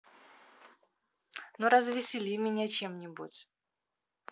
ну развесели меня чем нибудь